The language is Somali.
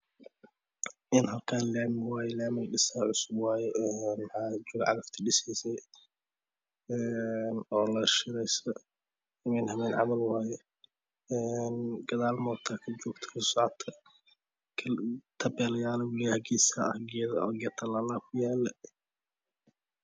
Een halkaan laami waaye laami la dhisaayo oo cusub waaye een waxaana jogta cagaf dhisaysay een oo layr shidayso een habeen camal waaye een gadaal moota aa ka joogta soo socoto tabeelayaal uu leeyahay geesaha talaalayaal aa ku yaalo